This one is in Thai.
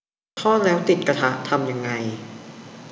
ทอดแล้วติดกระทะทำยังไง